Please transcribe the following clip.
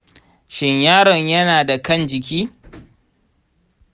shin yaron yana da kan jiki?